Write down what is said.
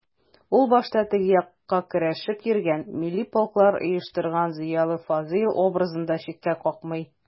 Ул башта «теге як»та көрәшеп йөргән, милли полклар оештырган зыялы Фазыйл образын да читкә какмый.